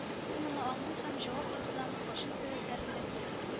Ул моны аңлый һәм җавап тотудан качу сәбәпләрен дә күрми